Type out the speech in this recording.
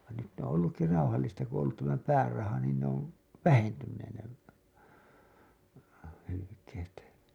vaan nyt ne on ollutkin rauhallista kun on ollut tämä pääraha niin ne on vähentyneet ne hylkeet